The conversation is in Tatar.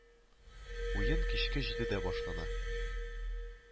Уен кичке җидедә башлана